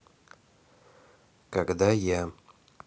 когда я